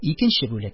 Икенче бүлек